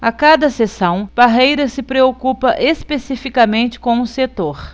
a cada sessão parreira se preocupa especificamente com um setor